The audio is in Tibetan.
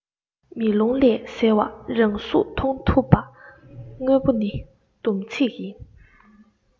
མེ ལོང ལས གསལ བ རང གཟུགས མཐོང ཐུབ པ དངོས པོ ནི སྡོམ ཚིག ཡིན